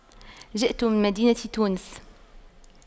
جئت من مدينة تونس